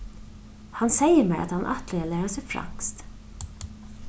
hann segði mær at hann ætlaði at læra seg franskt